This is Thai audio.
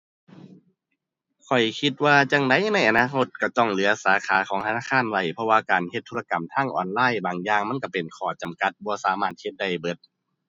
ข้อยคิดว่าจั่งใดในอนาคตก็ต้องเหลือสาขาของธนาคารไว้ เพราะว่าการเฮ็ดธุรกรรมทางออนไลน์บางอย่างมันก็เป็นข้อจำกัด บ่สามารถเฮ็ดได้เบิด